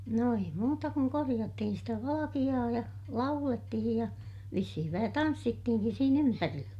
no ei muuta kuin korjattiin sitä valkeaa ja laulettiin ja vissiin vähän tanssittiinkin siinä ympärillä